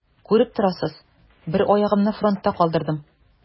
Күреп торасыз: бер аягымны фронтта калдырдым.